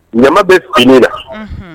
Ɲama bɛ fini na